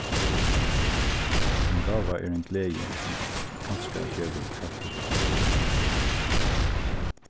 ein gáva er ein gleði sum kanska gevur kraftigt útslag